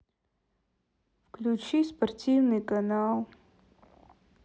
включи спортивный канал